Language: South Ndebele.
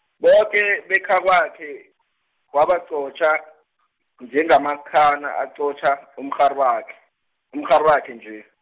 boke bekhakwakhe , wabaqotjha, njengamakhana aqotjha, umrharibakhe, umrharibakhe nje.